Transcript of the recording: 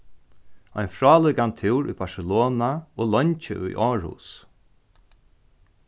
ein frálíkan túr í barcelona og leingi í aarhus